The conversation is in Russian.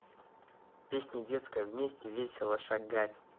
песня детская вместе весело шагать